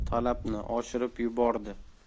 talabni oshirib yubordi